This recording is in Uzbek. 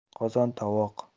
qozon tovoq